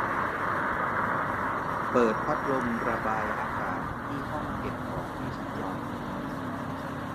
เปิดพัดลมระบายอากาศที่ห้องเก็บของให้ฉันหน่อย